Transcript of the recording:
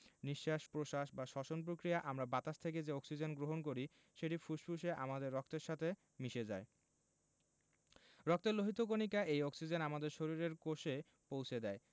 নিঃশ্বাস প্রশ্বাস বা শ্বসন প্রক্রিয়ায় আমরা বাতাস থেকে যে অক্সিজেন গ্রহণ করি সেটি ফুসফুসে আমাদের রক্তের সাথে মিশে যায় রক্তের লোহিত কণিকা এই অক্সিজেন আমাদের শরীরের কোষে পৌছে দেয়